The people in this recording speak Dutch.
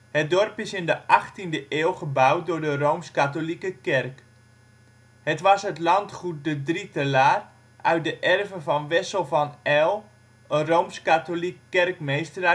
Het dorp is in de 18e eeuw gebouwd door de Rooms-katholieke kerk. Het was het landgoed De Drietelaar uit de erven van Wessel van Eyll, een Rooms-Katholiek kerkmeester